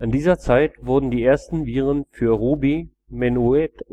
dieser Zeit wurden die ersten Viren für Ruby, MenuetOS